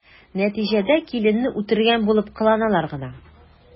Нәтиҗәдә киленне үтергән булып кыланалар гына.